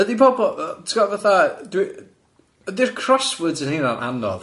Ydi pobol yy ti 'bod fatha dw- ydi'r crosswords yn heina yn anodd?